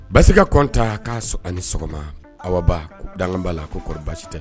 Basika kɔnta k'a ni sɔgɔma! Awa ba dankan ba la , ko kɔni baas tɛ?